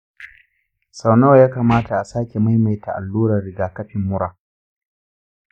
sau nawa ya kamata a sake maimaita allurar rigakafin mura?